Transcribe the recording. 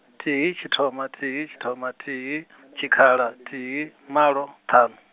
thihi tshithoma thihi tshithoma thihi, tshikhala thihi malo ṱhanu.